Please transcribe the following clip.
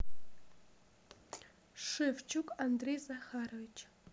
шевчук андрей захарович